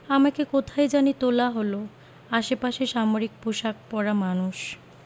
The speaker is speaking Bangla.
আমাকে কোথায় জানি তোলা হলো আশেপাশে সামরিক পোশাক পরা মানুষ